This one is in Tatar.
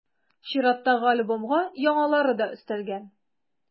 Чираттагы альбомга яңалары да өстәлгән.